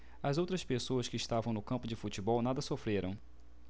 as outras pessoas que estavam no campo de futebol nada sofreram